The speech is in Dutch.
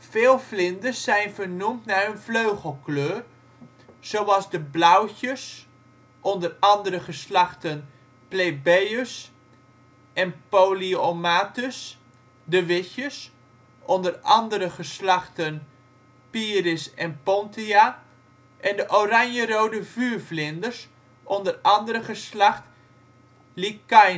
Veel vlinders zijn vernoemd naar hun vleugelkleur, zoals de blauwtjes (onder andere geslachten Plebeius en Polyommatus), de witjes (onder andere geslachten Pieris en Pontia) en de oranjerode vuurvlinders (onder andere geslacht Lycaena